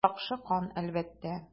Шакшы кан, әлбәттә.